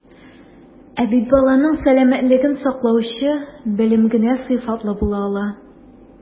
Ә бит баланың сәламәтлеген саклаучы белем генә сыйфатлы була ала.